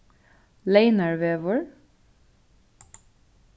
leynarvegur